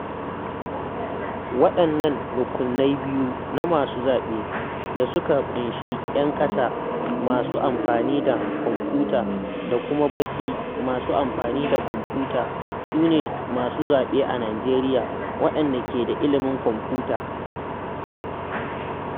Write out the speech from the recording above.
Waɗannan rukunai biyu na masu zaɓe, da suka ƙunshi 'yan ƙasa masu amfani da kwamfuta da kuma baƙi masu amfani da kwamfuta, su ne masu zaɓe a Nijeriya waɗanda ke da ilimin kwamfuta.